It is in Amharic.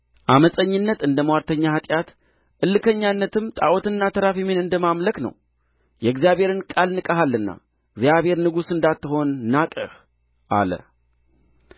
ዓመፀኝነት እንደ ምዋርተኛ ኃጢአት እልከኝነትም ጣዖትንና ተራፊምን እንደ ማምለክ ነው የእግዚአብሔርን ቃል ንቀሃልና እግዚአብሔር ንጉሥ እንዳትሆን ናቀህ አለ